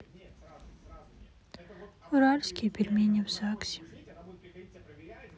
уральские пельмени в загсе